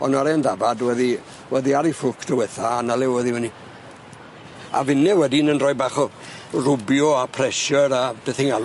On' yr 'en dafad wedd 'i wedd 'i ar 'i ffrwc diwetha a 'na le o'dd 'i fyny a finne wedyn roi bach o rwbio a pressure a bethingalw.